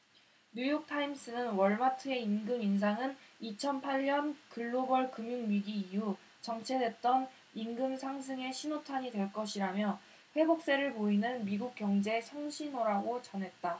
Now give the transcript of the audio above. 뉴욕타임스는 월마트의 임금 인상은 이천 팔 년 글로벌 금융 위기 이후 정체됐던 임금 상승의 신호탄이 될 것이라며 회복세를 보이는 미국 경제에 청신호라고 전했다